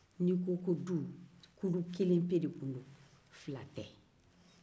n'i ko ko du kulu kelen pe de tun don fila tɛ